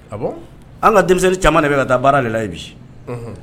A an ka denmisɛnnin caman de bɛ ka taa baara de la bi